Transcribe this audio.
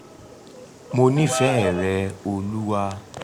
Mo nífẹ̀ẹ́-ẹ̀ rẹ olúwa!